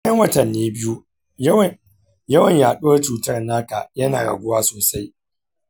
bayan watanni biyu yawan yaɗuwar cutar naka yana raguwa sosai.